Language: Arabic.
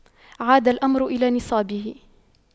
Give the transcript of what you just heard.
عاد الأمر إلى نصابه